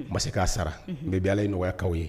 Ma se k'a sara n bɛɛ bɛ ala ye nɔgɔyakaw ye